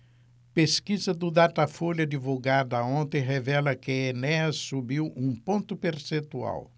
pesquisa do datafolha divulgada ontem revela que enéas subiu um ponto percentual